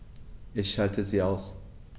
Ich schalte sie aus.